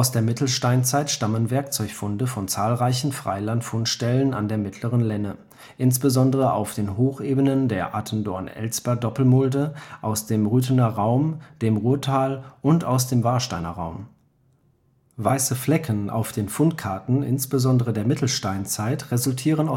der Mittelsteinzeit stammen Werkzeugfunde von zahlreichen Freilandfundstellen an der mittleren Lenne, insbesondere auf den Hochebenen der Attendorn-Elsper Doppelmulde, aus dem Rüthener Raum, dem Ruhrtal und aus dem Warsteiner Raum. „ Weiße Flecken “auf den Fundkarten insbesondere der Mittelsteinzeit resultieren